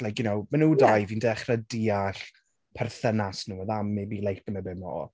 like, you know? Ma' nhw dau, fi'n dechrau deall, perthynas nhw, and that made me like them a bit more.